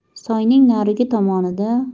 soyning narigi tomonida